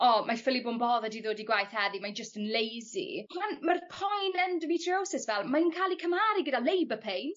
o mae ffili bo' yn bothered i ddod i gwaith heddi mae'n jyst yn lazy ma'r poen endometriosis fel mae'n ca'l 'u cymharu gyda labour pain.